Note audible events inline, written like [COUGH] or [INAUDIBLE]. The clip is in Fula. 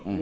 [HESITATION] [HESITATION]